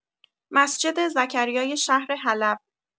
مسجد زکریای شهر حلب